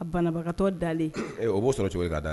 Banabagatɔ dalen o b' sɔrɔ cogo'